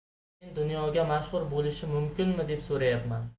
men dunyoga mashhur bo'lishi mumkinmi deb so'rayapman